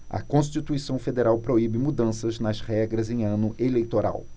a constituição federal proíbe mudanças nas regras em ano eleitoral